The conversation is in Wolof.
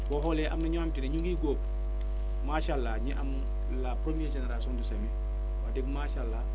boo xoolee am na ñoo xamante ne ñu ngi góob macha allah ñi am la première génération de semis wax dëgg macha allah